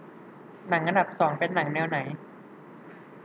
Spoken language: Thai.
หนังอันดับสองเป็นหนังแนวไหน